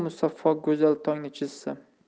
musaffo go'zal tongni chizsam